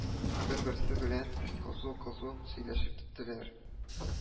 Бер-берсе белән кызу-кызу сөйләшеп киттеләр